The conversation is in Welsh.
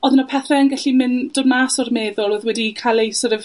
odd yna pethe yn gallu mynd yn myn- dod mas o'r meddwl odd wedi ca'l eu sor' of